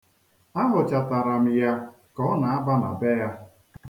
Ahụchatara m ya ka ọ na-aba na be ya.